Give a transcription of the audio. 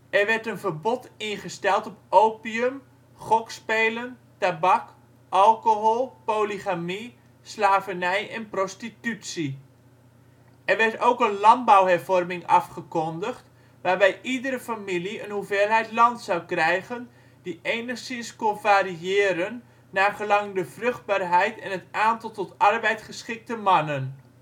Er werd een verbod ingesteld op opium, gokspelen, tabak, alcohol, polygamie, slavernij en prostitutie. Er werd ook een landbouwhervorming afgekondigd, waarbij iedere familie een hoeveelheid land zou krijgen, die enigszins kon variëren naargelang de vruchtbaarheid en het aantal tot arbeid geschikte mannen